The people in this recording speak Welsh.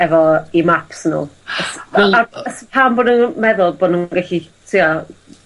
efo 'i maps nw? pam bo' nw'n meddwl bo' nw'n gyllu ti'o'?